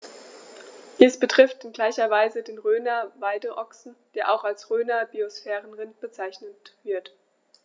Dies betrifft in gleicher Weise den Rhöner Weideochsen, der auch als Rhöner Biosphärenrind bezeichnet wird.